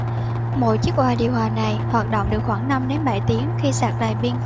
mỗi chiếc ào điều hòa này hoạt động được khoảng năm đến bảy tiếng khi sạc đầy pin